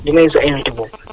di nuyu sa invité boobu